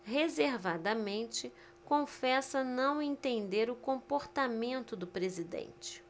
reservadamente confessa não entender o comportamento do presidente